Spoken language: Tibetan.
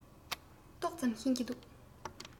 ཏོག ཚམ ཤེས ཀྱི འདུག